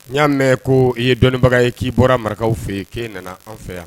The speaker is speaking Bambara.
N y'a mɛn ko i ye dɔnniibaga ye k'i bɔra marakaw fɛ yen k'e nana an fɛ yan